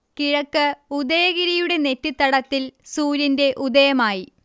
കിഴക്ക് ഉദയഗിരിയുടെ നെറ്റിത്തടത്തിൽ സൂര്യന്റെ ഉദയമായി